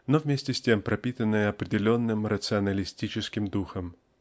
но вместе с тем пропитанное определенным рационалистическим духом.